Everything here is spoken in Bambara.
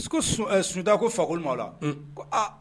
Sunjata ko fakoma la